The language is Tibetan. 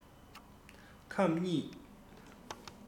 ཁམ གཉིས